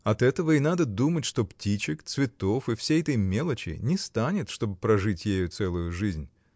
— От этого и надо думать, что птичек, цветов и всей этой мелочи не станет, чтоб прожить ею целую жизнь.